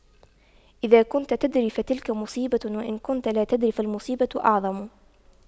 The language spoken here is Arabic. إذا كنت تدري فتلك مصيبة وإن كنت لا تدري فالمصيبة أعظم